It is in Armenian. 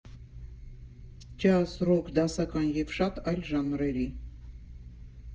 Ջազ, ռոք, դասական և շատ այլ ժանրերի։